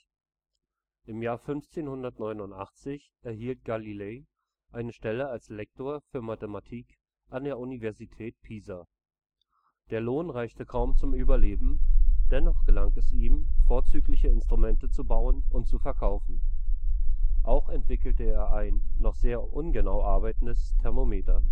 Im Jahr 1589 erhielt Galilei eine Stelle als Lektor für Mathematik an der Universität Pisa. Der Lohn reichte kaum zum Überleben; dennoch gelang es ihm, vorzügliche Instrumente zu bauen und zu verkaufen. Auch entwickelte er ein – noch sehr ungenau arbeitendes – Thermometer